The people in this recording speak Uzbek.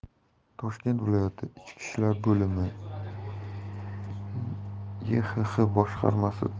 toshkent viloyati ichki ishlar boimib yhx boshqarmasi